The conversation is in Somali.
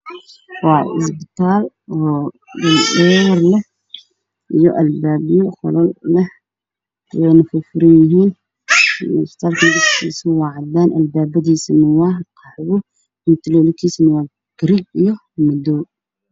Waa isbitaal oo leyr leh, albaabyo qolal oo furfuran midabkiisu cadaan, albaabkiisa waa qaxwi, mutuleelkana waa garee iyo madow.